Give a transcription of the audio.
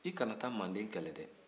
kana taa mandenkaw kɛlɛ dɛ